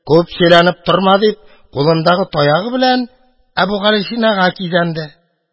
Күп сөйләнеп торма! – дип, кулындагы таягы белән Әбүгалисинага кизәнде.